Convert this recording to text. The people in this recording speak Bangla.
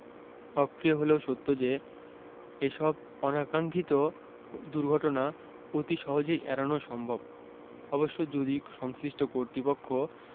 অপ্রিয় হলেও সত্ত্বেও যে এসব অনাকাক্সিক্ষত দুর্ঘটনা অতি সহজেই এড়ানো সম্ভব অবশ্য যদি সংশ্লিষ্ট কর্তৃপক্ষ